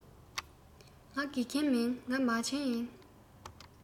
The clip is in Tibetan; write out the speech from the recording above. ང དགེ རྒན མིན མ བྱན ཡིན